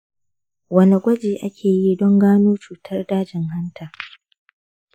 wane gwaji ake yi don gano cutar dajin hanta?